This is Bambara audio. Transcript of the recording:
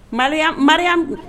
Maria maria kun